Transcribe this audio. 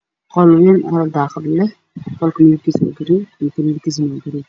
Qallan leh oo daaqad leh qolka dhankiisa waa gudud